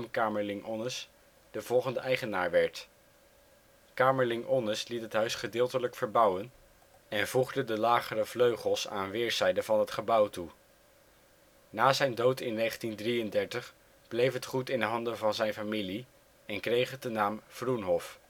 Kamerlingh Onnes, de volgende eigenaar werd. Kamerlingh Onnes liet het huis gedeeltelijk verbouwen en voegde de lagere vleugels aan weerszijden van het gebouw toe. Na zijn dood in 1933 bleef het goed in handen van zijn familie en kreeg het de naam " Vroenhof